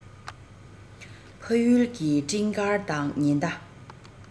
ཕ ཡུལ གྱི སྤྲིན དཀར དང ཉི ཟླ